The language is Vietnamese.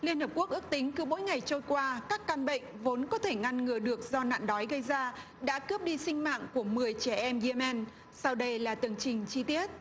liên hiệp quốc ước tính cứ mỗi ngày trôi qua các căn bệnh vốn có thể ngăn ngừa được do nạn đói gây ra đã cướp đi sinh mạng của mười trẻ em gi men sau đây là tường trình chi tiết